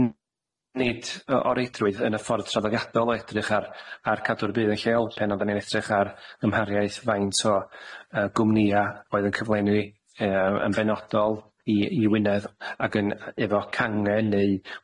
N- nid yy o reidrwydd yn y ffordd traddodiadol o edrych ar ar cadw'r bydd yn lleol pen ond o'n i'n edrych ar gymhariaeth faint o yy gwmnïa oedd yn cyflenwi yy yn benodol i i Wynedd ag yn yy efo cangen neu